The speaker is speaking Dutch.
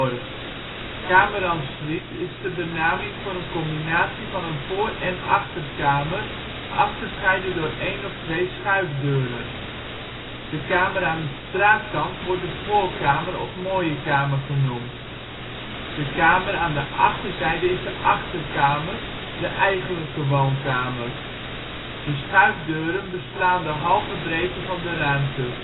en suite is de benaming voor een combinatie van een voor - en achterkamer, afgescheiden door een of twee schuifdeuren. De kamer aan de straatkant wordt de voorkamer of mooie kamer genoemd. De kamer aan de achterzijde is de achterkamer, de eigenlijke woonkamer. De schuifdeuren beslaan de halve breedte van de ruimte